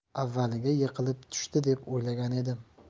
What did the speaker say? avvaliga yiqilib tushdi deb o'ylagan edim